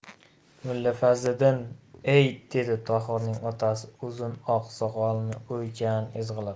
mulla fazliddin ey dedi tohirning otasi uzun oq soqolini o'ychan ezg'ilab